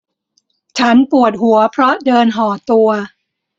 ฉันปวดหัวเพราะเดินห่อตัว